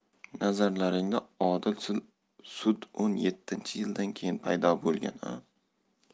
nazarlaringda odil sud o'n yettinchi yildan keyin paydo bo'lgan a